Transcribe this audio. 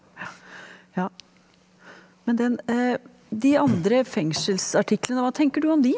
ja ja men den de andre fengselsartiklene, hva tenker du om de?